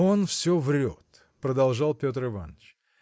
– Он все врет, – продолжал Петр Иваныч.